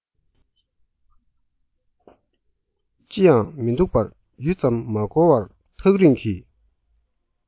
ཅི ཡང མི འདུག པར ཡུད ཙམ མ འགོར བར ཐག རིང གི